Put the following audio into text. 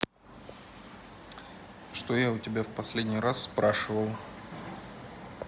что я у тебя в последний раз спрашивал